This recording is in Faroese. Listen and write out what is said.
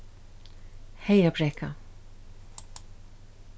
heygabrekka